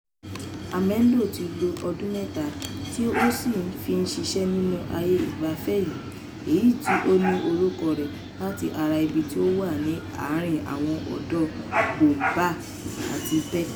Amendo ti lo ọdún mẹ́ta tí ó fi ṣiṣẹ́ nínú àyè ìgbafẹ́ yìí, èyí tí ó rí orúkọ rẹ̀ láti ara ibi tí ó wà ní àárín àwọn odò Boumba àti Bek.